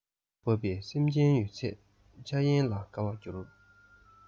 ཁ བ བབས པས སེམས ཅན ཡོད ཚད འཆར ཡན ལ དགའ བར གྱུར